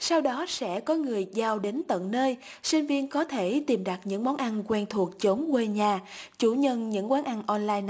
sau đó sẽ có người giao đến tận nơi sinh viên có thể tìm đặt những món ăn quen thuộc chốn quê nhà chủ nhân những quán ăn on lai